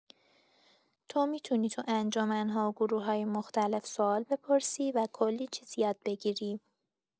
تو می‌تونی تو انجمن‌ها و گروه‌های مختلف سوال بپرسی و کلی چیز یاد بگیری.